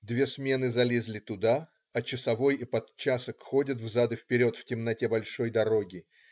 Две смены залезли туда, а часовой и подчасок ходят взад и вперед в темноте большой дороги.